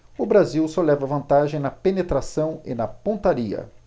o brasil só leva vantagem na penetração e na pontaria